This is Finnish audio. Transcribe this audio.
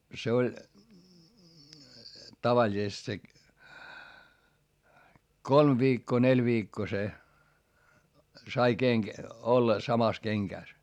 se oli tavallisesti se kolme viikkoa neljä viikkoa se sai - olla samassa kengässä